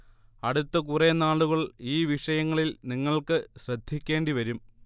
അടുത്തകുറെ നാളുകൾ ഈ വിഷയങ്ങളിൽ നിങ്ങൾക്ക് ശ്രദ്ധിക്കേണ്ടി വരും